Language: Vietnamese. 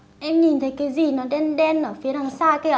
em nhìn thấy cái gì nó đen đen ở phía đằng xa kia ạ